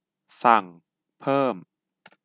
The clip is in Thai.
สั่งเพิ่ม